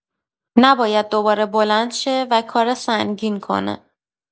نباید دوباره بلند شه و کار سنگین کنه.